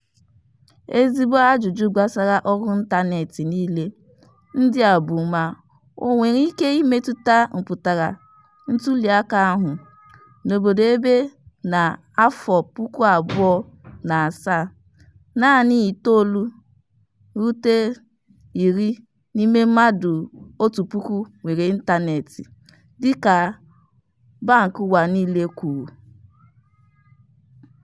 Ezigbo ajụjụ gbasara ọrụ ịntaneetị niile ndị a bụ ma o nwere ike imetụta mpụtara ntuliaka ahụ, n'obodo ebe na 2007, naanị 9-10 n'ime mmadụ 1000 nwere ịntaneetị dịka World Bank kwuru.